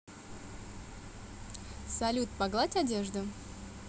салют погладь одежду